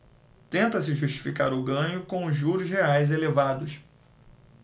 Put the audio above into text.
tenta-se justificar o ganho com os juros reais elevados